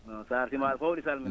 Saare simaali fof no salimina maa